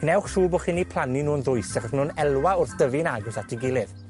wnewch siŵr chi'n eu plannu nw'n ddwys, achos ma' nw'n elwa wrth dyfu'n agos at 'i gilydd.